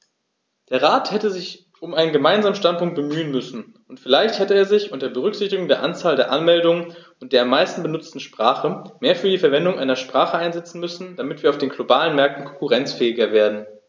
Der Rat hätte sich um einen gemeinsamen Standpunkt bemühen müssen, und vielleicht hätte er sich, unter Berücksichtigung der Anzahl der Anmeldungen und der am meisten benutzten Sprache, mehr für die Verwendung einer Sprache einsetzen müssen, damit wir auf den globalen Märkten konkurrenzfähiger werden.